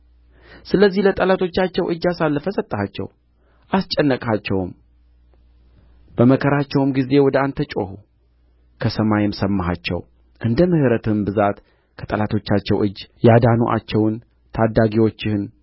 ስለዚህ ለጠላቶቻቸው እጅ አሳልፈህ ሰጠሃቸው አስጨነቁአቸውም በመከራቸውም ጊዜ ወደ አንተ ጮኹ ከሰማይም ሰማሃቸው እንደ ምሕረትህም ብዛት ከጠላቶቻቸው እጅ ያዳኑአቸውን ታዳጊዎችን